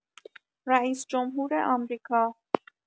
رئیس‌جمهور آمریکا